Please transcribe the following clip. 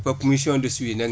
kooku mission :fre de suivie la